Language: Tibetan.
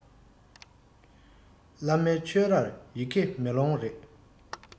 བླ མའི ཆོས རར ཡི གེ མེ ལོང རེད